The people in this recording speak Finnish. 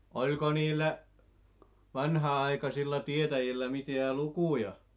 oliko niillä vanhanaikaisilla tietäjillä mitään lukuja